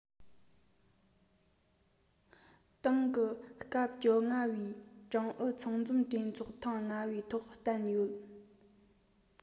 ཏང གི སྐབས བཅོ ལྔ པའི ཀྲུང ཨུ ཚང འཛོམས གྲོས ཚོགས ཐེངས ལྔ པའི ཐོག བསྟན ཡོད